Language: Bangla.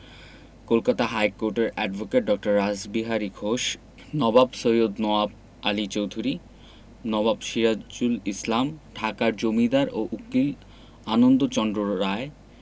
কলকাতা হাইকোর্টের অ্যাডভোকেট ড. রাসবিহারী ঘোষ নবাব সৈয়দ নওয়াব আলী চৌধুরী নবাব সিরাজুল ইসলাম ঢাকার জমিদার ও উকিল আনন্দচন্দ্র রায়